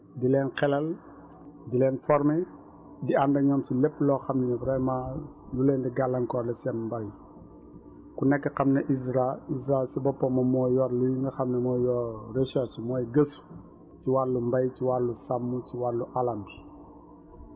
di leen xelal di leen former si ànd ak ñoom si lépp loo xam ne vraiment lu leen di gàllankoor la seen mbay ku nekk xam ne ISRA ISRA si boppam moom moo yor lii nga xam ne mooy recherche mooy gëstu ci wàllu mbay ci wàllu sàmm ci wàllu alam